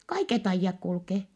kaiket ajat kulkee